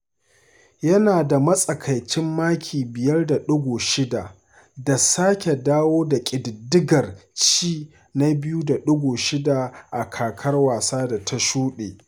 Yana da matsakaicin maki 5.6 da sake dawo da ƙididdigar ci na 2.6 a kakar wasa da ta shuɗe.